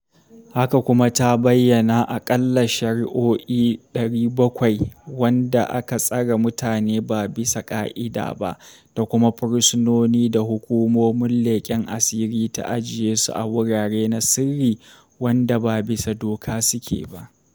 Haka kuma ta bayyana aƙalla shari'o'i 70 wadda an "tsare mutane ba bisa ka'ida ba" da kuma fursunonin da hukumomin leken asiri ta ajiye su a wuraren na sirri wadda ba bisa doka suke ba.